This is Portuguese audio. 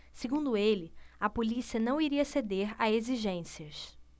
segundo ele a polícia não iria ceder a exigências